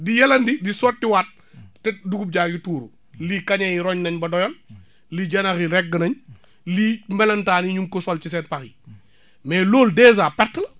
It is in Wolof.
di yelandi di sottiwaat te dugub jaa ngi tuuru lii kañ yi roñ nañ ba doyal lii janax yi regg nañ lii melentaan yi ñu ngi ko sol ci seen pax yi mais loolu dèjà perte la